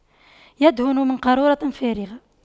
يدهن من قارورة فارغة